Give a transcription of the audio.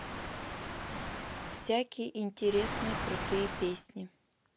всякие интересные крутые песни